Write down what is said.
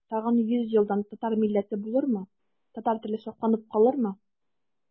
Тагын йөз елдан татар милләте булырмы, татар теле сакланып калырмы?